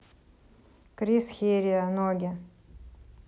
крис хериа ноги